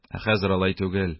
Ә хәзер алай түгел: